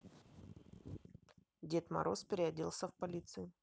дед мороз переоделся в полицию